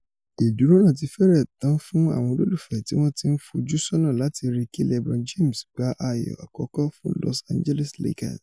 Ìdúró náà ti fẹ́rẹ̀ tán fún àwọn olólùfẹ́ tíwọ́n ti ńfojú ṣọ́nà láti ríi kí LeBron James gba ayò àkọ́kọ́ fún Los Angeles Lakers.